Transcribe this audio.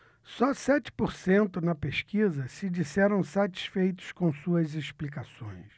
só sete por cento na pesquisa se disseram satisfeitos com suas explicações